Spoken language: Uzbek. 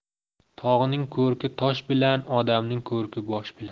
tog'ning ko'rki tosh bilan odamning ko'rki bosh bilan